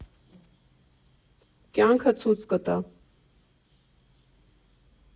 Կյանքը ցույց կտա։